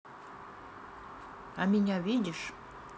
а меня видишь